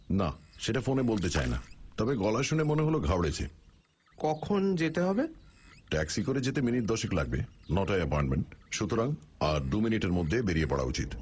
না সেটা ফোনে বলতে চায় না তবে গলা শুনে মনে হল ঘাবড়েছে কখন যেতে হবে ট্যাক্সিতে করে যেতে মিনিট দশেক লাগবে ন টায় অ্যাপয়েন্টমেন্ট সুতরাং আর দুমিনিটের মধ্যে বেরিয়ে পড়া উচিত